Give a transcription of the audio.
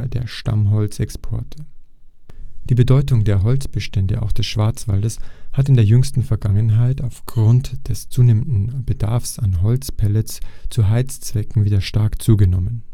der Stammholzexporte. Die Bedeutung der Holzbestände auch des Schwarzwalds hat in der jüngsten Vergangenheit aufgrund des zunehmenden Bedarfs an Holzpellets zu Heizzwecken wieder stark zugenommen